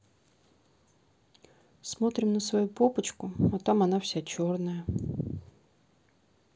смотрим на свою попочку а там она вся черная